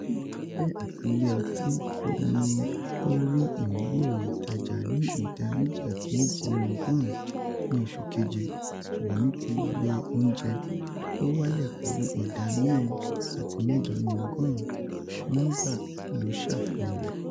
Ibi ìgbafẹ́ àti ilé ọtí ni ó rí ìmúgbóòrò ìtajà ní ìda 2.7 nínú ọgọ́rùn-ún ní oṣù keje - ṣùgbọ́n ní ti ilé oúnjẹ, ó wálẹ̀ pẹ̀lú ìdá 4.8 nínú ọgórùn-ún, nọ́ḿbà ló ṣàfihàn rẹ̀.